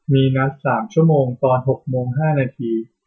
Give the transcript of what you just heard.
มีนัดสามชั่วโมงตอนหกโมงห้านาที